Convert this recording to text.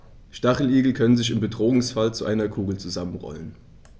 Stacheligel können sich im Bedrohungsfall zu einer Kugel zusammenrollen.